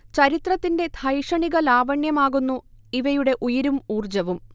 ചരിത്രത്തിന്റെ ധൈഷണിക ലാവണ്യമാകുന്നു ഇവയുടെ ഉയിരും ഊർജ്ജവും